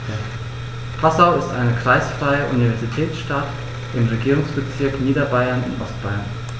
Passau ist eine kreisfreie Universitätsstadt im Regierungsbezirk Niederbayern in Ostbayern.